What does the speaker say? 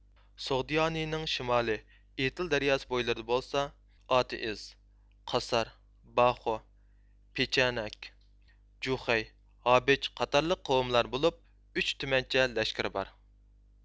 سوغدىيانىنىڭ شىمالى ئېتىل دەرياسى بويلىرىدا بولسا ئاتېئىز قاسار باخۇ پېچەنەك جۇخەي ھابېچقاتارلىق قوۋملار بولۇپ ئۈچ تۈمەنچە لەشكىرى بار